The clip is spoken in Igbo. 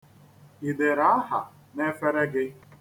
I dere aha n'efere gị?